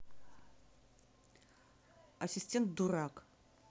ассистент дурак